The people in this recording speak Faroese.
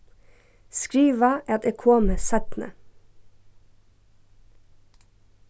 skriva at eg komi seinni